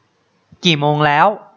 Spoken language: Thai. กี่โมงแล้ว